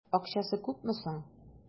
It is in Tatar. Акчасы күпме соң?